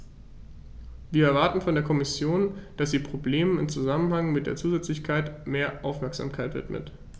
Wir erwarten von der Kommission, dass sie Problemen im Zusammenhang mit der Zusätzlichkeit mehr Aufmerksamkeit widmet.